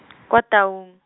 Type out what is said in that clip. kwa Taung.